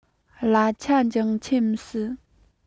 གླ ཆ འགྱངས ཆད མི སྲིད